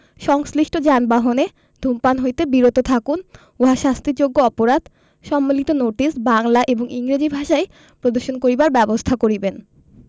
সংশ্লিষ্ট যানবাহনে ধূমপান হইতে বিরত থাকুন উহা শাস্তিযোগ্য অপরাধ সম্বলিত নোটিশ বাংলা এবং ইংরেজী ভাষায় প্রদর্শন করিবার ব্যবস্থা করিবেন